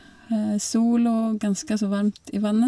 Sol, og ganske så varmt i vannet.